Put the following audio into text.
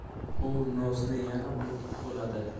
u nosni yana otib oladi